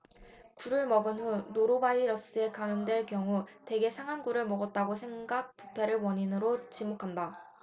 굴을 먹은 후 노로바이러스에 감염될 경우 대개 상한 굴을 먹었다고 생각 부패를 원인으로 지목한다